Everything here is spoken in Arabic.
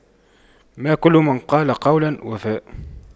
ما كل من قال قولا وفى